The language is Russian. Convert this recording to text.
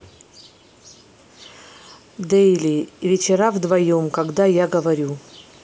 dali вечера вдвоем когда я говорю